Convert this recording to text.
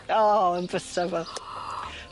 O yn bysa fo?